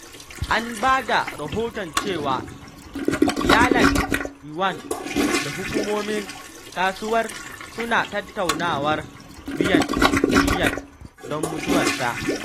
An ba da rahoton cewa iyalan Yuan da hukumomin kasuwar suna tattaunawar biyan diyyar don mutuwarsa.